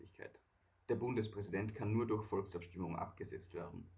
Der Bundespräsident kann nur durch Volksabstimmung abgesetzt werden